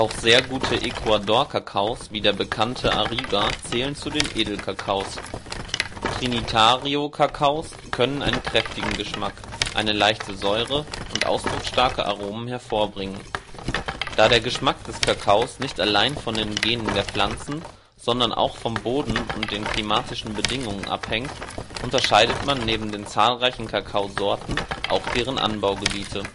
sehr gute Ecuador-Kakaos wie der bekannte Arriba zählen zu den Edelkakaos. Trinitario-Kakaos können einen kräftigen Geschmack, eine leichte Säure und ausdrucksstarke Aromen hervorbringen. Da der Geschmack des Kakaos nicht allein von den Genen der Pflanzen, sondern auch vom Boden und den klimatischen Bedingungen abhängt, unterscheidet man neben den zahlreichen Kakaosorten auch deren Anbaugebiete